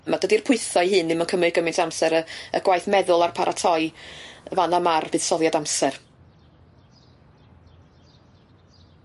Ma' dydi'r pwytho'i hyn ddim yn cymyd gymaint o amser a y gwaith meddwl a'r paratoi y fan yma ar buddsoddiad amser.